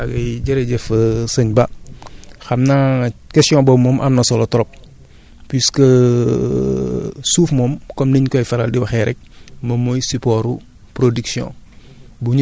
ah oui jërëjëf sëñ Ba xam naa question boobu moom am na solo trop puisque suuf moom comme ni ñu koy faral di waxee rek moom mooy support production